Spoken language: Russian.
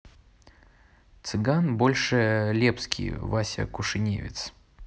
цыган больше лепский вася кишиневец